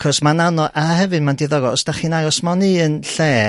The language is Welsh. cus ma'n anodd a hefyd ma'n diddorol os 'da chi'n aros mewn un lle